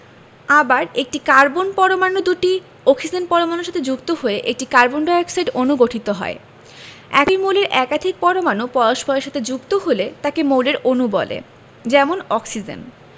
আবার একটি কার্বন পরমাণু দুটি অক্সিজেন পরমাণুর সাথে যুক্ত হয়ে একটি কার্বন ডাই অক্সাইড অণু গঠিত হয় একই মৌলের একাধিক পরমাণু পরস্পরের সাথে যুক্ত হলে তাকে মৌলের অণু বলে যেমন অক্সিজেন